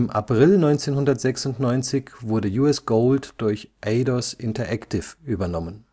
April 1996 wurde U.S. Gold durch Eidos Interactive übernommen